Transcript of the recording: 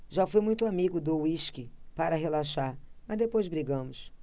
já fui muito amigo do uísque para relaxar mas depois brigamos